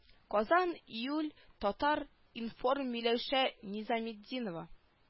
Казан июль татар-информ миләүшә низаметдинова